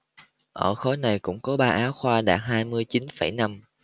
ở khối này cũng có ba á khoa đạt hai mươi chín phẩy năm